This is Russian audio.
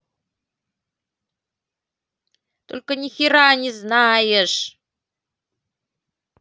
только нихера не знаешь